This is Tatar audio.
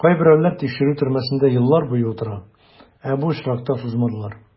Кайберәүләр тикшерү төрмәсендә еллар буе утыра, ә бу очракта сузмадылар.